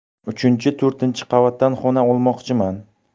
uchinchi to'rtinchi qavatdan xona olmoqchiman